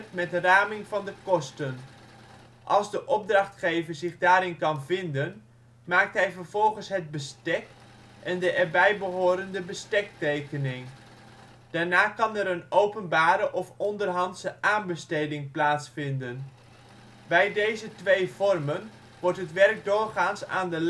met raming van de kosten. Als de opdrachtgever zich daarin kan vinden, maakt hij vervolgens het bestek en de erbij behorende bestektekening. Daarna kan er een openbare of onderhandse aanbesteding plaatsvinden. Bij deze twee vormen wordt het werk doorgaans aan de